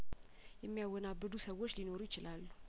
የሚያወና ብዱ ሰዎች ሊኖሩ ይችላሉ